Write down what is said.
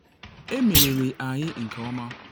Emeriri anyị nke ọma.”